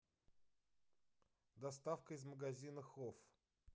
доставка из магазина хофф